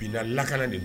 Bi laka de